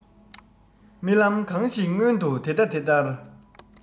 རྨི ལམ གང ཞིག མངོན དུ དེ ལྟ དེ ལྟར